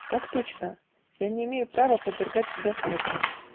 -- Так точно: я не имею права подвергать себя смерти.